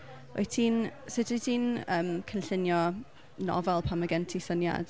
Wyt ti'n... Sut wyt ti'n yym cynllunio nofel pan ma' gen ti syniad?